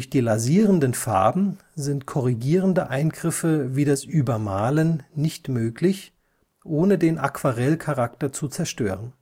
die lasierenden Farben sind korrigierende Eingriffe wie das Übermalen nicht möglich, ohne den Aquarellcharakter zu zerstören